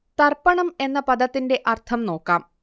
തർപ്പണം എന്ന പദത്തിന്റെ അർത്ഥം നോക്കാം